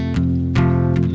đắn